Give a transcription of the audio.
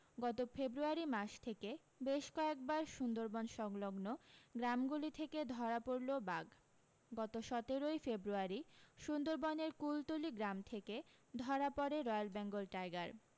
গত ফেব্রুয়ারি মাস থেকে বেশ কয়েকবার সুন্দরবন সংলগ্ন গ্রামগুলি থেকে ধরা পড়লো বাঘ গত সতেরোই ফেব্রুয়ারি সুন্দরবনের কুলতলি গ্রাম খেকে ধরা পড়ে রয়্যাল বেঙ্গল টাইগার